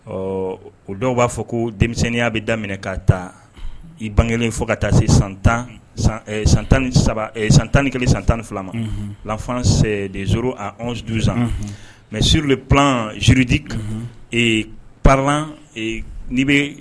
Ɔ o dɔw b'a fɔ ko denmisɛnninya bɛ daminɛ ka taa i bange kelen fɔ ka taa se san tan san tan saba san tan ni kelen san tan ni fila ma fa de surujsan mɛ suruur de p surudi pa n'i bɛ